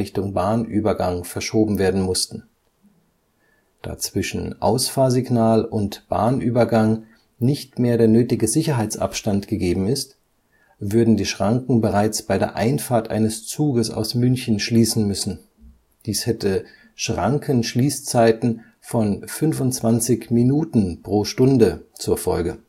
Bahnübergang verschoben werden mussten. Da zwischen Ausfahrsignal und Bahnübergang nicht mehr der nötige Sicherheitsabstand gegeben ist, würden die Schranken bereits bei der Einfahrt eines Zuges aus München schließen müssen, dies hätte Schrankenschließzeiten von 25 Minuten pro Stunde zur Folge